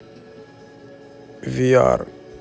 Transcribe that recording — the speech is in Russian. ви ар